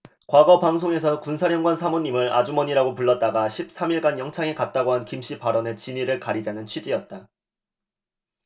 과거 방송에서 군사령관 사모님을 아주머니라고 불렀다가 십 삼 일 간 영창에 갔다고 한 김씨 발언의 진위를 가리자는 취지였다